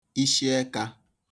ishiẹkā